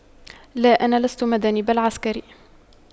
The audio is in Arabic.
لا انا لست مدني بل عسكري